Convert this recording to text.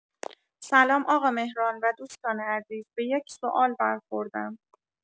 سلام آقا مهران و دوستان عزیز به یک سوال برخوردم